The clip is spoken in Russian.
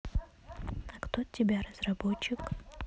а кто тебя разработчик